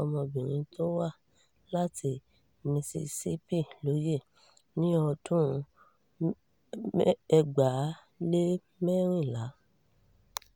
ọmọbìnrin tó wá láti Mississippi lóòyẹ̀ ní ọdún 2014.